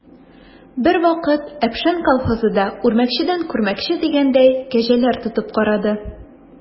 Бервакыт «Әпшән» колхозы да, үрмәкчедән күрмәкче дигәндәй, кәҗәләр тотып карады.